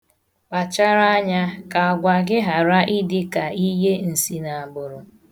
Kpachara anya ka agwa gị ghara ịdị ka ihe nsinagbụrụ.